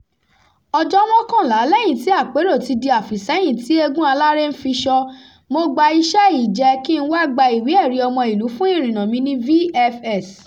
ọjọ́ mọ́kànlá lẹ́yìn tí àpérò ti di àfìsẹ́yìn ti eégún aláré ń fiṣọ, mo gba iṣẹ́-ìjẹ́ kí n wá gba ìwé-ẹ̀rí-ọmọìlú-fún-ìrìnnà mi ní VFS.